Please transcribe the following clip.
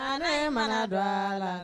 Tanɛ mana do a la